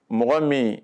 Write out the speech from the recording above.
Mɔgɔ min